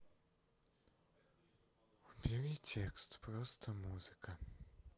убери текст просто музыка